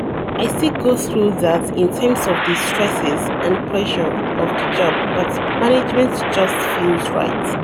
I still go through that in terms of the stresses and pressure of the job but management just feels right.